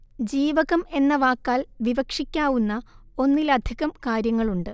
ജീവകം എന്ന വാക്കാല്‍ വിവക്ഷിക്കാവുന്ന ഒന്നിലധികം കാര്യങ്ങളുണ്ട്